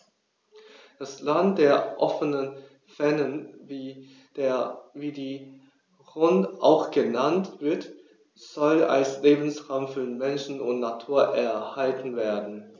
Das „Land der offenen Fernen“, wie die Rhön auch genannt wird, soll als Lebensraum für Mensch und Natur erhalten werden.